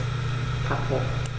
Abbruch.